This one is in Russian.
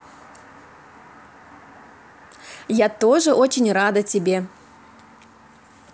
я тоже очень рада тебе